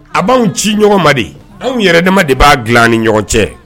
A b'an ci ɲɔgɔnma di anw yɛrɛdamama de b'a dilan ni ɲɔgɔn cɛ